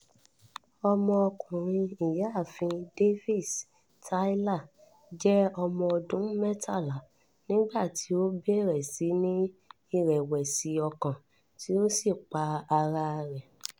Ọmọ ọkùnrin Ìyàáfin Davis, Tyler, jẹ́ ọmọ ọdún 13 nígbàtí ó bẹ̀rẹ̀ sí ní ìrẹ̀wẹ̀sì ọkàn tí ó sì pa ara rẹ.